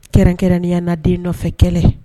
Kɛrɛnkɛrɛnya naden nɔfɛ kɛlɛ